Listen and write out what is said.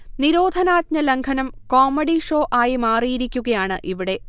നിരോധനാജ്ഞ ലംഘനം comedy show ആയി മാറിയിരിക്കുകയാണ് ഇവിടെ